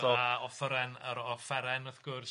a offeren yr offeren wrth gwrs.